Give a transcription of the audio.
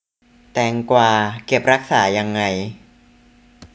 แตงกวาเก็บรักษายังไง